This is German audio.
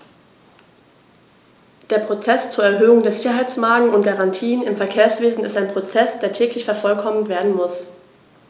Der Prozess zur Erhöhung der Sicherheitsmargen und -garantien im Verkehrswesen ist ein Prozess, der täglich vervollkommnet werden muss.